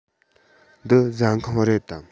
འདི ཟ ཁང རེད དམ